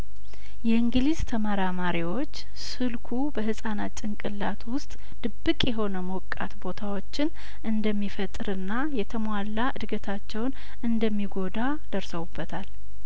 የእንግሊዝ ተመራማሪዎች ስልኩ በህጻናት ጭንቅላት ውስጥ ድብቅ የሆነ ሞቃት ቦታዎችን እንደሚፈጥርና የተሟላ እድገታቸውን እንደሚጐዳ ደርሰውበታል